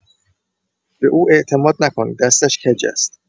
به او اعتماد نکن، دستش کج است.